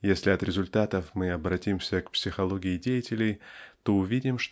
Если от результатов мы обратимся к психологии деятелей то увидим